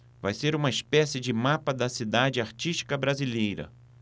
vai ser uma espécie de mapa da cidade artística brasileira